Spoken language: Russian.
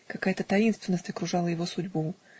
Какая-то таинственность окружала его судьбу